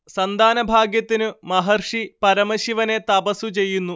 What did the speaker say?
സന്താനഭാഗ്യത്തിനു മഹർഷി പരമശിവനെ തപസ്സു ചെയ്യുന്നു